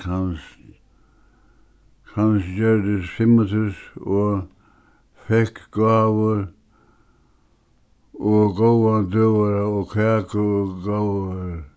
gjørdist fimmogtrýss og fekk gávur og góða døgurða og kaku og góðar